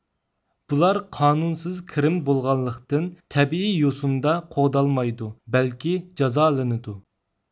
بۇلار قانۇنسىز كىرىم بولغانلىقتىن تەبىئىي يوسۇندا قوغدالمايدۇ بەلكى جازالىنىدۇ